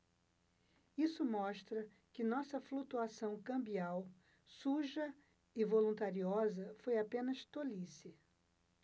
isso mostra que nossa flutuação cambial suja e voluntariosa foi apenas tolice